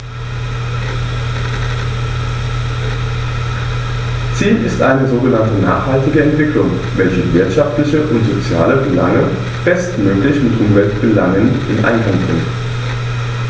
Ziel ist eine sogenannte nachhaltige Entwicklung, welche wirtschaftliche und soziale Belange bestmöglich mit Umweltbelangen in Einklang bringt.